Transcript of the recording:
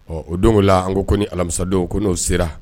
Ɔ o don wulila la an ko ni alamisadenw n'o sera